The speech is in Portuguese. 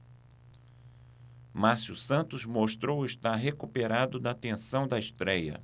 márcio santos mostrou estar recuperado da tensão da estréia